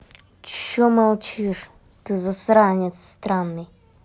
че молчишь ты засранец странный